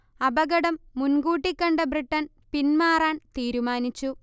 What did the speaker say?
അപകടം മുൻകൂട്ടി കണ്ട ബ്രിട്ടൻ പിന്മാറാൻ തീരുമാനിച്ചു